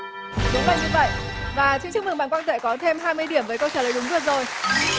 đúng là như vậy và xin chúc mừng bạn quang tuệ có thêm hai mươi điểm với câu trả lời đúng vừa rồi